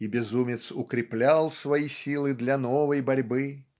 И безумец укреплял свои силы для новой борьбы.